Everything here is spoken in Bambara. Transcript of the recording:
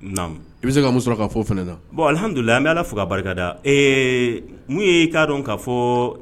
Naamun I bi se ka mun sɔrɔ ka fɔ o fana na?. Bon al hamidulila , an bɛ Ala fo ka barika da . Ee mun ye i kadɔn ka fɔ